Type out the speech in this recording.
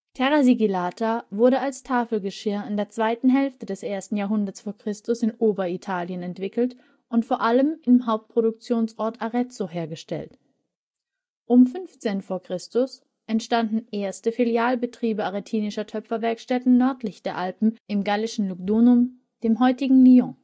Terra Sigillata (TS) wurde als Tafelgeschirr in der 2. Hälfte des 1. Jahrhundert v. Chr. in Oberitalien entwickelt und vor allem im Hauptproduktionsort Arezzo hergestellt. Um 15 v. Chr. entstanden erste Filialbetriebe arretinischer Töpferwerkstätten nördlich der Alpen im gallischen Lugdunum, dem heutigen Lyon